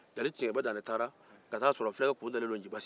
jeli tiɲɛtigiba dantɛ taara ka taa sɔrɔ fɛn kun dalen don nciba sen kan